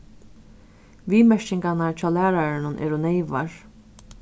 viðmerkingarnar hjá læraranum eru neyvar